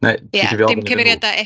Neu ti isio i fi ofyn iddyn nhw?